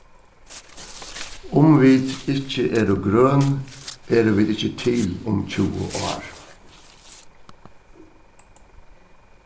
um vit ikki eru grøn eru vit ikki til um tjúgu ár